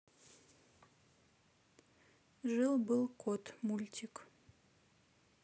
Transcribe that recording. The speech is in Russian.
жил был кот мультик